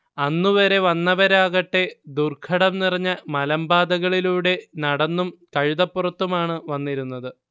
അന്നുവരെ വന്നവരാകട്ടേ ദുർഘടം നിറഞ്ഞ മലമ്പാതകളിലൂടെ നടന്നും കഴുതപ്പുറത്തുമാണ് വന്നിരുന്നത്